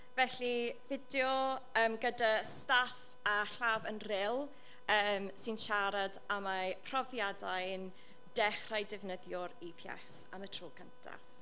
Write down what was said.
Felly fideo yym gyda staff a chlâf yn Rhyl yym sy'n siarad am eu profiadau'n dechrau defnyddio'r EPS am y tro cynta.